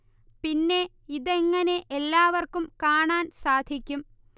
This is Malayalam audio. പിന്നെ ഇത് എങ്ങനെ എല്ലാവർക്കും കാണാൻ സാധിക്കും